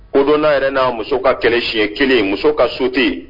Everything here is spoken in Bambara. O don n'a yɛrɛ n'a muso ka kɛlɛ siɲɛ kelen muso ka so ten yen